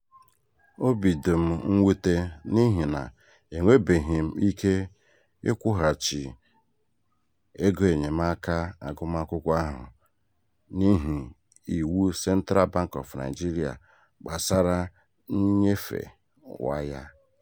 Obi di mụ mwute n'ihi na enwebeghị m ike ịkwụghachi egoenyemaaka agụmakwụkwọ ahụ n'ihi iwu Central Bank of Nigeria gbasara nnyefe waya.